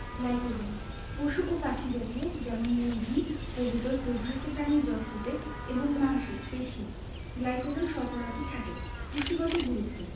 glycogen পশু ও পাখি জাতীয় যেমন মুরগি কবুতর প্রভৃতি প্রাণীর যকৃৎ এ এবং মাংসে পেশি গ্লাইকোজেন শর্করাটি থাকে পুষ্টিগত গুরুত্ব